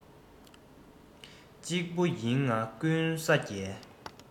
གཅིག པུ ཡིན ང ཀུན ས རྒྱལ